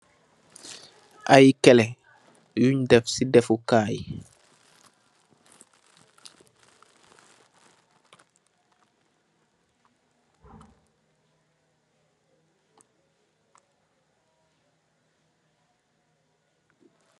Ay keleh yun déf ci déffu Kai.